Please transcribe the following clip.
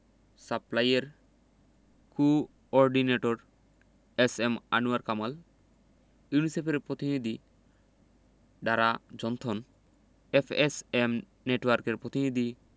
সাপ্লাইর coordinator S M Anwar Kamal ইউনিসেফের প্রতিনিধি Dara Jonathan FSM নেটওয়ার্কের প্রতিনিধি